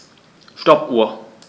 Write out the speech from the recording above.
Stoppuhr.